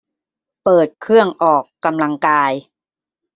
เปิดเครื่องออกกำลังกาย